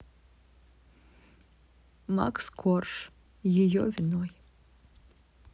макс корж ее виной